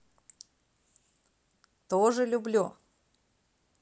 тоже люблю